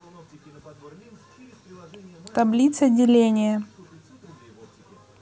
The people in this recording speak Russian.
таблица деления